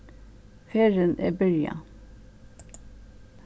ferðin er byrjað